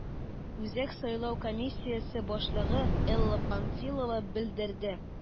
Үзәк сайлау комиссиясе башлыгы Элла Памфилова белдерде: